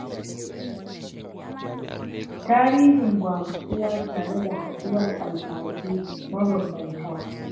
Tarihin gwamutsewa tare da haɗuwar al'adu mabambamta